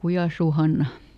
Kujansuun Hanna